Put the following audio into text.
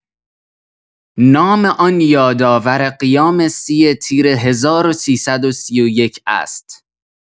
نام آن یادآور قیام سی تیر ۱۳۳۱ است.